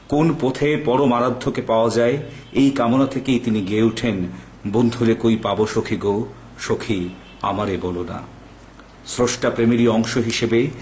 কোন পথে পরম আরাধ্য কে পাওয়া যায় এই কামনা থেকেই তিনি গেয়ে ওঠেন বন্ধুরে কই পাবো সখি গো সখি আমারে বলনা স্রষ্টা প্রেম এরই অংশ হিসেবে